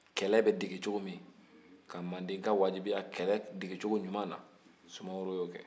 kɛlɛ bɛ dege cogo min ka mandenka wajibiya kɛlɛ dege cogo ɲuman na sumaworo y'o kɛ